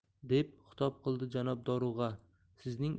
deb xitob qildi janob dorug'a sizning